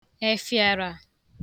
èfị̀àrà